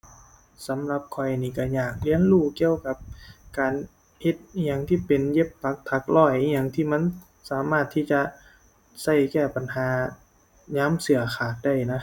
สำหรับข้อยนี่ก็อยากเรียนรู้เกี่ยวกับการเฮ็ดอิหยังที่เป็นเย็บปักถักร้อย อิหยังที่มันสามารถที่จะก็แก้ปัญหายามเสื้อขาดได้นะ